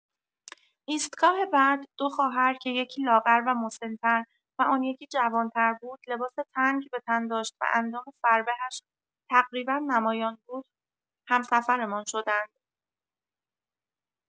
ایستگاه بعد دو خواهر که یکی لاغر و مسن‌تر، و آن یکی جوان‌تر بود، لباس تنگ به تن داشت و اندام فربه‌اش تقریبا نمایان بود، همسفرمان شدند.